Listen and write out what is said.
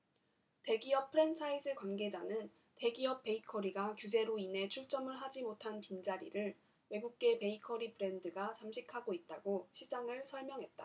대기업 프랜차이즈 관계자는 대기업 베이커리가 규제로 인해 출점을 하지 못한 빈 자리를 외국계 베이커리 브랜드가 잠식하고 있다고 시장을 설명했다